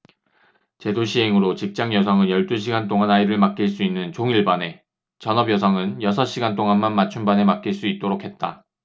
제도 시행으로 직장여성은 열 두 시간 동안 아이를 맡길 수 있는 종일반에 전업여성은 여섯 시간 동안만 맞춤반에 맡길 수 있도록 했다